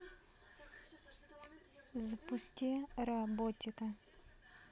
запусти ра ботика